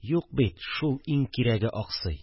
Юк бит, шул иң кирәге аксый